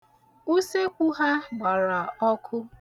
Usekwu ha gbara ọkụ.